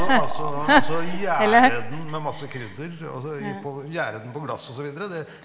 altså altså gjære den med masse krydder og så i på gjære den på glass også videre det.